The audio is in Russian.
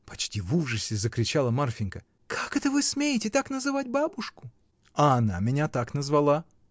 — почти в ужасе закричала Марфинька, — как это вы смеете так называть бабушку! — А она меня так назвала.